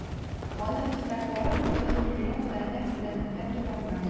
Аның китаплары 30 миллион данә күләмендә таралган.